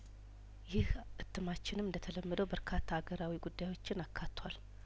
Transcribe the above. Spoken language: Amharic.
ይህ እትማችንም እንደተለመደው በርካታ አገራዊ ጉዳዮችን አካቷል